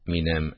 Минем